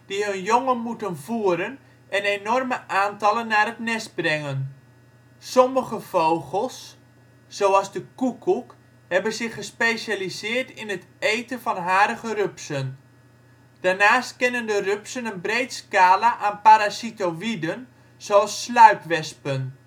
jongen moeten voeren en enorme aantallen naar het nest brengen. Sommige vogels, zoals de koekoek, hebben zich gespecialiseerd in het eten van harige rupsen. Daarnaast kennen de rupsen een breed scala aan parasitoïden zoals sluipwespen